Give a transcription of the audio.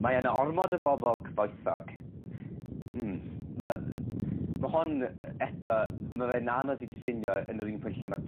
Mae yna ormod o bobol cyfoethog. Hmm. Ma' ma' hon yy eto ma' fe'n anodd i diffinio yn yr un pwynt lle ma'